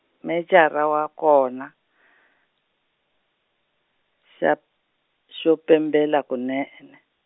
mejara wa kona , xa p-, xo pembela kunene.